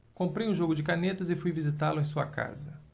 comprei um jogo de canetas e fui visitá-lo em sua casa